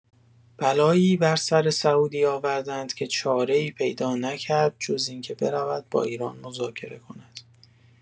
بلایی بر سر سعودی آوردند که چاره‌ای پیدا نکرد جز اینکه برود با ایران مذاکره کند.